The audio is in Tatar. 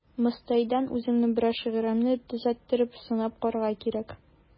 Мостайдан үземнең берәр шигыремне төзәттереп сынап карарга кирәк.